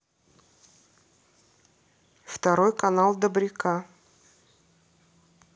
второй канал добряка